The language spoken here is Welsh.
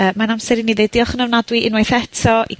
...yy mae'n amser i ni ddeud diolch yn ofnadwy unwaith eto i...